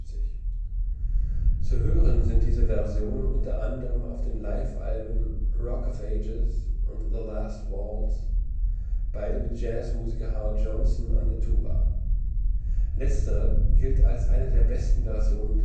hören sind diese Versionen u. a. auf den Live-Alben Rock of Ages und The Last Waltz (beide mit Jazz-Musiker Howard Johnson an der Tuba), letztere gilt als eine der besten Versionen